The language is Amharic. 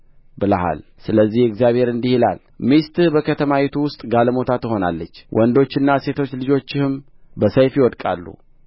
ብለሃል ስለዚህ እግዚአብሔር እንዲህ ይላል ሚስትህ በከተማይቱ ውስጥ ጋለሞታ ትሆናለች ወንዶችና ሴቶች ልጆችህም በሰይፍ ይወድቃሉ